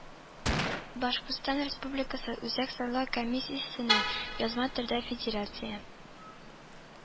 Башкортстан Республикасы Үзәк сайлау комиссиясенә язма төрдә Федерация